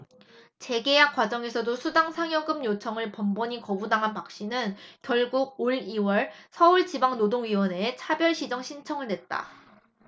재계약 과정에서도 수당 상여금 요청을 번번이 거부당한 박씨는 결국 올 이 월 서울지방노동위원회에 차별시정 신청을 냈다